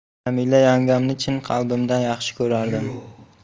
jamila yangamni chin qalbimdan yaxshi ko'rardim